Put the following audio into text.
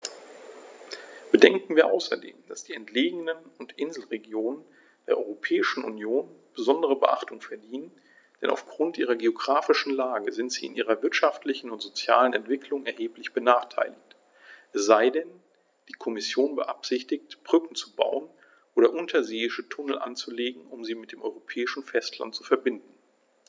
Bedenken wir außerdem, dass die entlegenen und Inselregionen der Europäischen Union besondere Beachtung verdienen, denn auf Grund ihrer geographischen Lage sind sie in ihrer wirtschaftlichen und sozialen Entwicklung erheblich benachteiligt - es sei denn, die Kommission beabsichtigt, Brücken zu bauen oder unterseeische Tunnel anzulegen, um sie mit dem europäischen Festland zu verbinden.